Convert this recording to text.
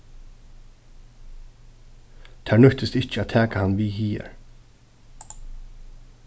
tær nýttist ikki at taka hann við higar